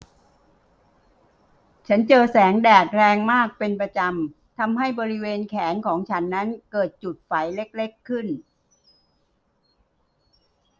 ฉันเจอแสงแดดแรงมากเป็นประจำทำให้บริเวณแขนของฉันนั้นเกิดจุดไฝเล็กเล็กขึ้น